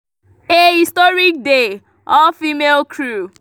A HISTORIC DAY – All-female crew